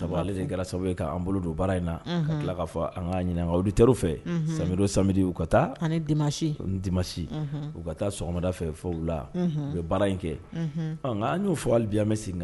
Sababu' bolo don in ka tila an ɲininka fɛ sariro sari u ka taa ani di masi ni di masi u ka taa sɔgɔmada fɛ fɔ u la u ye baara in kɛ an n y'o fɔbiyamɛ sigi